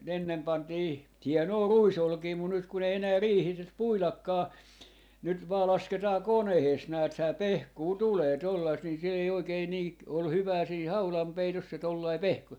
ne ennen pantiin hienoa ruisolkea mutta nyt kun ei enää riihissä puidakaan nyt vain lasketaan koneessa näethän pehkua tulee tuollaista niin se ei oikein niin - ole hyvää siinä haudanpeitossa se tuollainen pehku